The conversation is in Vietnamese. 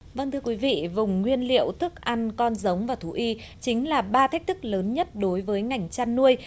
vâng thưa quý vị vùng nguyên liệu thức ăn con giống và thú y chính là ba thách thức lớn nhất đối với ngành chăn nuôi